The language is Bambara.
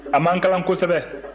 a man kalan kosɛbɛ